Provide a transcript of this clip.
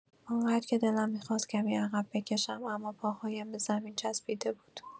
آن‌قدر که دلم می‌خواست کمی عقب بکشم، اما پاهایم به زمین چسبیده بود.